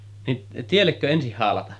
niin tiellekö ensin haalata